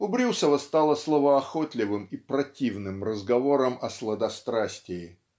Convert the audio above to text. у Брюсова стало словоохотливым и противным разговором о сладострастии.